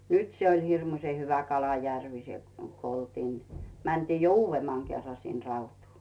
nyt se oli hirmuisen hyvä kalajärvi se kun oltiin mentiin jo uudemman kerran sinne Rautuun